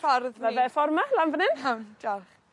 ffordd. Ma' fe ffor 'ma lan fyn 'yn. O diolch.